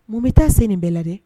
Mun bɛ taa se nin bɛɛ la dɛ